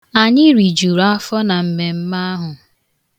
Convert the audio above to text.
Anyị rijuru afọ na mmemme ahụ.